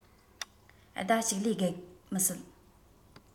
ཟླ ཅིག ལས བརྒལ མི སྲིད